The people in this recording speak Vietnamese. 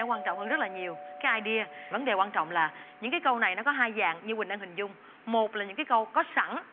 quan trọng hơn rất là nhiều cái ai đia vấn đề quan trọng là những cái câu này nó có hai dạng như quỳnh đang hình dung một là những cái câu có sẵn